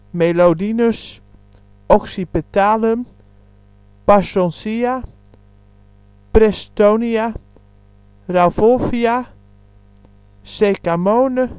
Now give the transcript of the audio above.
Melodinus Oxypetalum Parsonsia Prestonia Rauvolfia Secamone